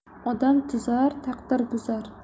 odam tuzar taqdir buzar